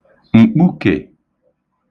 m̀kpukè